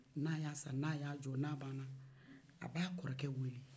n'a y'a san n'a y'a jɔ n'a bana a b'a kɔrɔkɛ wele